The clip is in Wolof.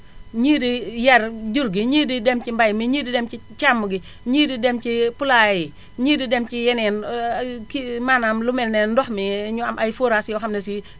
ñii di yar jur gi ñii di dem ci mbay mi ñii di dem ci càmm gi ñii di dem ci poulailler yi ñii di dem ci yeneen ki maanaam lu mel ne ndox mi ñu am ay forage yoo xam ne sii